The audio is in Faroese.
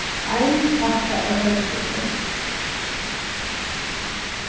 ein pakka av køksrullum